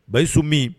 Bayisu min